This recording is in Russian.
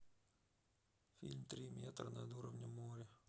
фильм три метра над уровнем моря